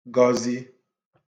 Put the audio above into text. gọzi